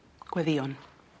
Gweddïwn.